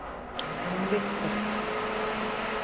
декстер